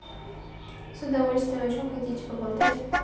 с удовольствием о чем хотите поболтать